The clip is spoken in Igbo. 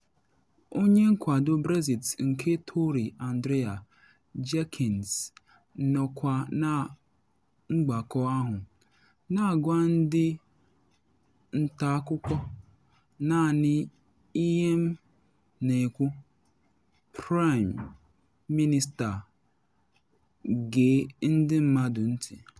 Onye nkwado Brexit nke Tory Andrea Jenkyns nọkwa na mgbakọ ahụ, na agwa ndị nta akụkọ: ‘Naanị ihe m na ekwu: Praịm Minista, gee ndị mmadụ ntị.